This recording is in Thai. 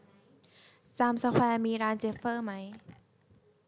จามสแควร์มีร้านเจฟเฟอร์ไหม